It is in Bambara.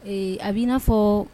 Ee a bɛ n'a fɔ